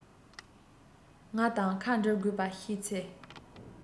ང དང ཁ འབྲལ དགོས པ ཤེས ཚེ